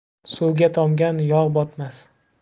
suvga tomgan yog' botmas